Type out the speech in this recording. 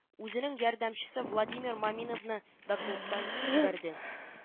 Үзенең ярдәмчесе владимир маминовны да клубтан җибәрде